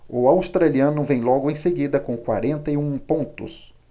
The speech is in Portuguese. o australiano vem logo em seguida com quarenta e um pontos